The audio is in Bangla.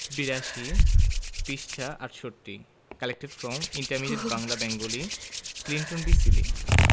৮২ পৃষ্ঠাঃ ৬৮ collected from intermediate Bangla Bengali Clinton B Seely